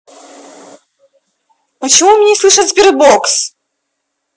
почему меня не слышит sberbox